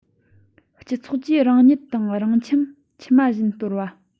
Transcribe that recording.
སྤྱི ཚོགས ཀྱིས རང ཉིད དང རང ཁྱིམ མཆི མ བཞིན འདོར བ